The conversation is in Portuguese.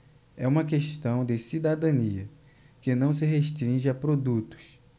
é uma questão de cidadania que não se restringe a produtos